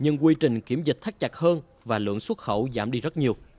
nhưng quy trình kiểm dịch thắt chặt hơn và lượng xuất khẩu giảm đi rất nhiều